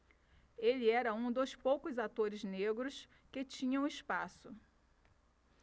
ele era um dos poucos atores negros que tinham espaço